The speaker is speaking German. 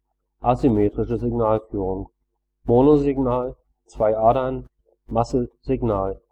Asymmetrische Signalführung: Monosignal, zwei Adern: Masse, Signal